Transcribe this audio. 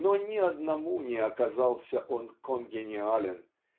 но ни одному не оказался он конгениален